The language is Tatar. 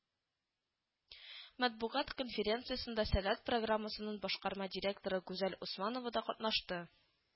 Матбугат конференциясендә “Сәләт” программасының башкарма директоры Гүзәл Усманова да катнашты